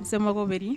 Somɔgɔw bɛ di?